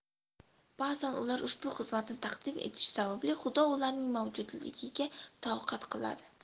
ba'zan ular ushbu xizmatni taqdim etishi sababli xudo ularning mavjudligiga toqat qiladi